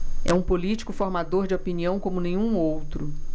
é um público formador de opinião como nenhum outro